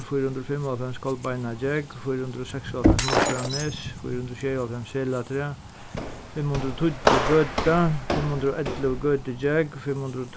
fýra hundrað og fimmoghálvfems kolbeinagjógv fýra hundrað og seksoghálvfems morskranes fýra hundrað og sjeyoghálvfems selatrað fimm hundrað og tíggju gøta fimm hundrað og ellivu gøtugjógv fimm hundrað og